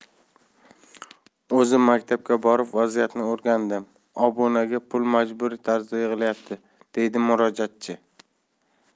o'zim maktabga borib vaziyatni o'rgandim obunaga pul majburiy tarzda yig'ilyapti deydi murojaatchi